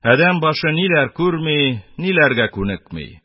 Адәм башы ниләр күрми, ниләргә күнекми!